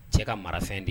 Cɛ ka marafɛn de